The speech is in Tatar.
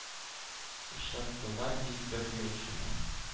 Очраттылар, ди, бер юлчыны.